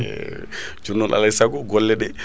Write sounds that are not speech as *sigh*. *hesitation* jonnon alay saago golle ɗe